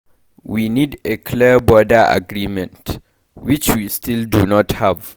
We need a clear border agreement, which we still do not have.